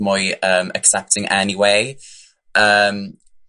mwy yym accepting anyway yym.